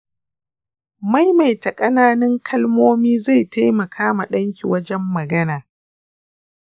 maimaita kananun kalmomi zai taimaka ma danki wajen magana.